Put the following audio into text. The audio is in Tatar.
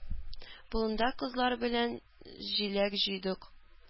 Болында кызлар белән җиләк җыйдык.